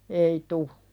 ei tule